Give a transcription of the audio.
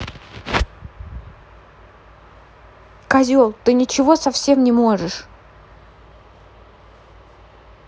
козел ты ничего нихуя не можешь